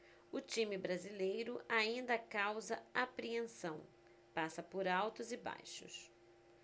o time brasileiro ainda causa apreensão passa por altos e baixos